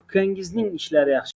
ukangizning ishlari yaxshimi